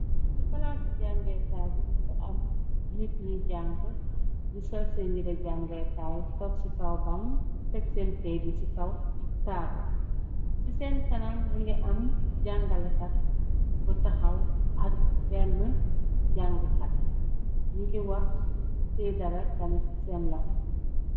Ci palaac ci jàngeekaay bi më ngi am nit ñi jàng nu sol seen jira jàngeekaay, tok ci kaw baŋ, teg seen key yi ci kaw taable. Ci seen kanam më ngi am jàngalekat bu tahaw ak benn jàngkat nu yi wax tey dara tamit seen loho.